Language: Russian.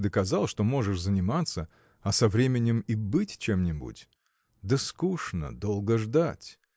ты доказал, что можешь заниматься, а со временем и быть чем-нибудь. Да скучно, долго ждать.